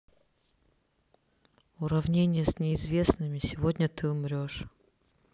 уравнение с неизвестными сегодня ты умрешь